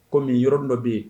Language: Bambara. Kɔmi yɔrɔ nɔ bɛ yen